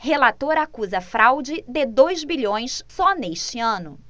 relator acusa fraude de dois bilhões só neste ano